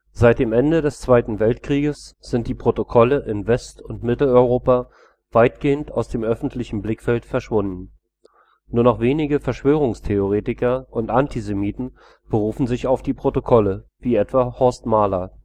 Seit dem Ende des Zweiten Weltkrieges sind die Protokolle in West - und Mitteleuropa weitgehend aus dem öffentlichen Blickfeld verschwunden. Nur noch wenige Verschwörungstheoretiker und Antisemiten berufen sich auf die Protokolle, wie etwa Horst Mahler